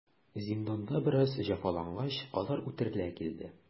Зинданда бераз җәфалангач, алар үтерелә килде.